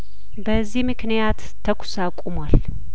በዚህ ምክንያት ተኩስ አቁሟል